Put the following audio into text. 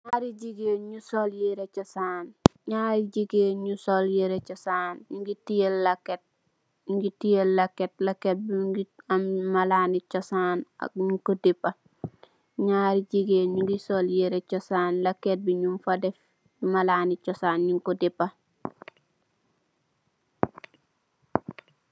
Ñaari jigéen yu sol yire cosaan, ñu ngi tiye leket. Leket bi mu ngi malaan i, cosaan ñuñ ko dëpu. Ñaari jigéen, ñu ngi sol yire cosaan, tiye léket bu am malaan i cosaan ñuñ ko dëpu.